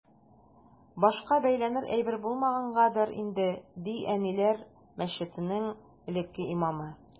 Башка бәйләнер әйбер булмагангадыр инде, ди “Әниләр” мәчетенең элекке имамы.